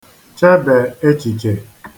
chebè echìchè